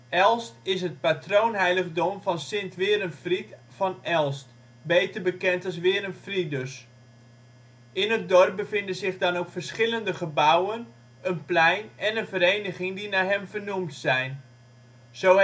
Elst is het patroonheiligdom van Sint Werenfried van Elst, beter bekend als Werenfridus. In het dorp bevinden zich dan ook verschillende gebouwen, een plein en een vereniging die naar hem vernoemd zijn. Zo